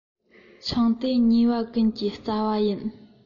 ཆང དེ ཉེས པ ཀུན གྱི རྩ བ ཡིན